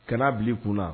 Kan'a bil'i kun na